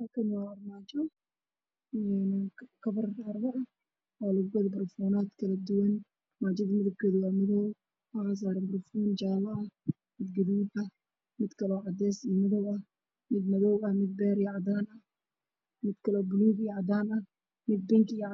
Halkaan waxaa ka muuqdo iska faalo ay ka muuqdaan cream iyo baraafuun noocyadiisa kala